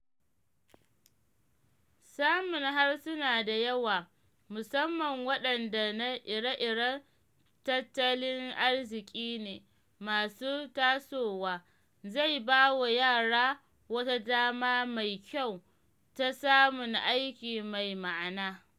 Samun harsuna da yawa, musamman waɗanda na ire-iren tattalin arziki ne masu tasowa, zai ba wa yara wata dama mai kyau ta samun aiki mai ma’ana.